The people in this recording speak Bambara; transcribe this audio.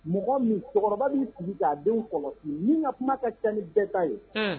Mɔgɔ min cɛkɔrɔba min sigi k'a denw fɔlɔ min ka kuma ka ca ni bɛɛ taa ye